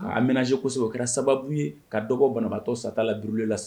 K'a emménangé kosɛbɛ o kɛra sababu ye ka dɔbɔ banabaatɔ sata la